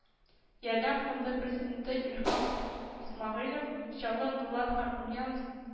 “ярдәм” фонды президенты илһам исмәгыйлев, чаллы, нурлат һәм ульяновск